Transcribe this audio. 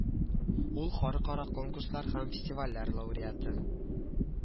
Ул халыкара конкурслар һәм фестивальләр лауреаты